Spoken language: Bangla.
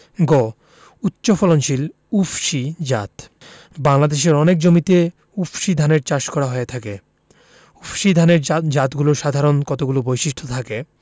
গ উচ্চফলনশীল উফশী জাতঃ বাংলাদেশের অনেক জমিতে উফশী ধানের চাষ করা হয়ে থাকে উফশী ধানের জাতগুলোর সাধারণ কতগুলো বৈশিষ্ট্য থাকে